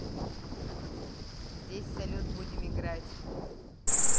здесь салют будем играть